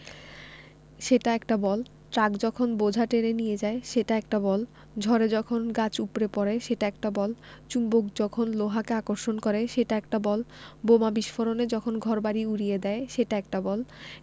সেটা একটা বল ট্রাক যখন বোঝা টেনে নিয়ে যায় সেটা একটা বল ঝড়ে যখন গাছ উপড়ে পড়ে সেটা একটা বল চুম্বক যখন লোহাকে আকর্ষণ করে সেটা একটা বল বোমা বিস্ফোরণে যখন ঘরবাড়ি উড়িয়ে দেয় সেটা একটা বল